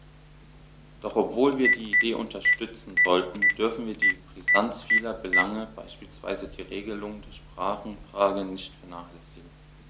Doch obwohl wir die Idee unterstützen sollten, dürfen wir die Brisanz vieler Belange, beispielsweise die Regelung der Sprachenfrage, nicht vernachlässigen.